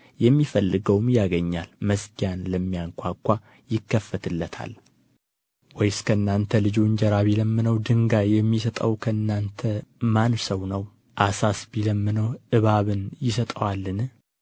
የሚፈልገውም ያገኛል መዝጊያንም ለሚያንኳኳ ይከፈትለታል ወይስ ከእናንተ ልጁ እንጀራ ቢለምነው ድንጋይን የሚሰጠው ከእናንተ ማን ሰው ነው ዓሣስ ቢለምነው እባብን ይሰጠዋልን